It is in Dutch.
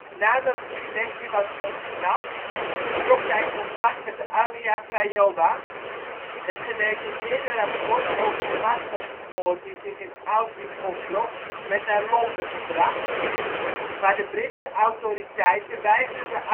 Nadat Pilecki was ontsnapt, zocht hij contact met de Armia Krajowa. Het gedetailleerde rapport over de massamoord die zich in Auschwitz voltrok werd naar Londen gebracht, maar de Britse autoriteiten weigerden